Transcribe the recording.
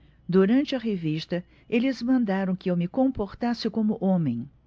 durante a revista eles mandaram que eu me comportasse como homem